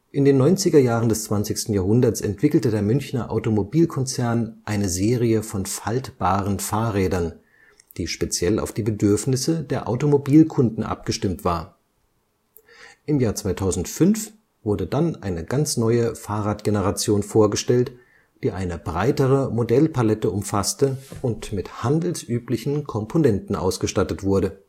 In den neunziger Jahren des 20. Jahrhunderts entwickelte der Münchener Automobilkonzern eine Serie von faltbaren Fahrrädern, die speziell auf die Bedürfnisse der Automobilkunden abgestimmt war. Im Jahr 2005 wurde dann eine ganz neue Fahrradgeneration vorgestellt, die eine breitere Modellpalette umfasste und mit handelsüblichen Komponenten ausgestattet wurde